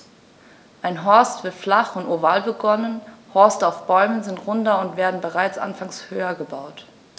Ein Horst wird flach und oval begonnen, Horste auf Bäumen sind runder und werden bereits anfangs höher gebaut.